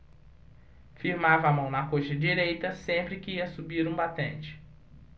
firmava a mão na coxa direita sempre que ia subir um batente